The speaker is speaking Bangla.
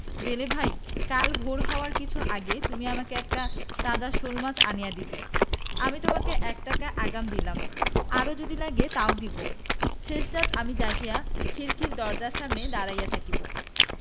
জেলে ভাই কাল ভোর হওয়ার কিছু আগে তুমি আমাকে একটি তাজা শোলমাছ আনিয়া দিবে আমি তোমাকে এক টাকা আগাম দিলাম আরও যদি লাগে তাও দিব শেষ রাতে আমি জাগিয়া খিড়কির দরজার সামনে দাঁড়াইয়া থাকিব